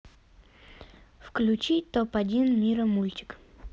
включить топ один мира мультик